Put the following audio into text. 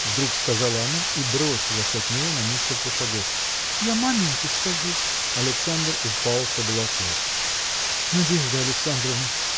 – вдруг сказала она и бросилась от него на несколько шагов. – Я маменьке скажу! Александр упал с облаков. – Надежда Александровна!